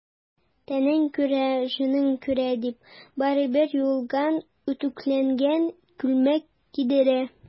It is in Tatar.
Тәнең күрә, җаның күрә,— дип, барыбер юылган, үтүкләнгән күлмәк кидерә.